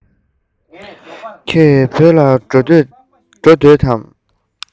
ཁྱོད བོད ལ འགྲོ འདོད དམ